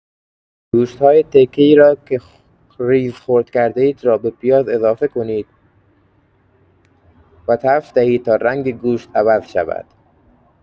گوشت‌های تکه‌ای را که ریز خرد کرده‌اید را به پیاز اضافه کنید و تفت دهید تا رنگ گوشت عوض شود.